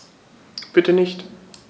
Bitte nicht.